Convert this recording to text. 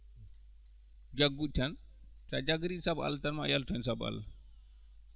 jaggu ɗi tan sa jaggiriiɗi sabu Allah tan ma a yaltu heen sabu Allah